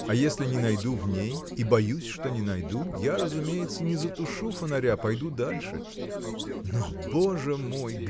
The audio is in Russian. А если не найду в ней, и боюсь, что не найду, я, разумеется, не затушу фонаря, пойду дальше. Но Боже мой!